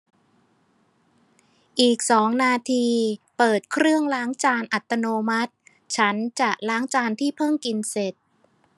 อีกสองนาทีเปิดเครื่องล้างจานอัตโนมัติฉันจะล้างจานที่เพิ่งกินเสร็จ